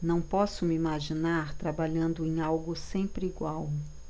não posso me imaginar trabalhando em algo sempre igual